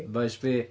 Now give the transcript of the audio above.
Yn Maes B.